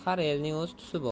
har elning o'z tusi bor